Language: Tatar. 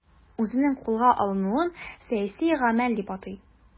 Үзенең кулга алынуын сәяси гамәл дип атый.